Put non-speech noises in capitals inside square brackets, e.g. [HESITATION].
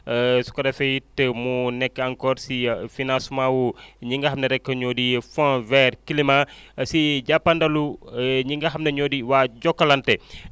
[HESITATION] su ko defee it mu nekk encore si financement wu ñi nga xam ne rek ñoo di Fond vers climat [BREATH] si jàppandalu [HESITATION] ñi nga xam ne ñoo di waa Jokalante [BREATH]